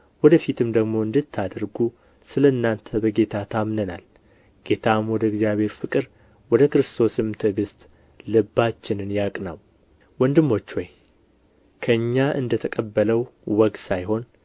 ወደ ፊትም ደግሞ እንድታደርጉ ስለ እናንተ በጌታ ታምነናል ጌታም ወደ እግዚአብሔር ፍቅር ወደ ክርስቶስም ትዕግሥት ልባችንን ያቅናው ወንድሞች ሆይ ከእኛ እንደ ተቀበለው ወግ ሳይሆን